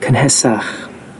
cynhesach.